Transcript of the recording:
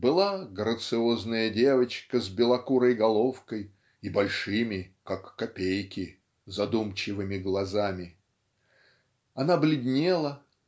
Была грациозная девочка с белокурой головкой и "большими как копейки задумчивыми глазами" она бледнела